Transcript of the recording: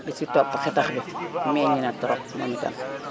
bi ci topp xetax gi meññ na trop moom itam